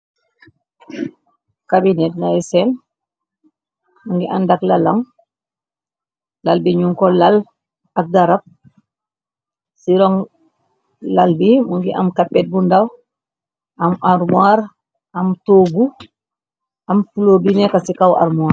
Cabinet nay seen mungi andak lalaŋ lal bi ñu ko lal ak darab ci rong lal bi mu ngi am kapet bu ndaw am armoir am toogu am plo bi nekka ci kaw armoir.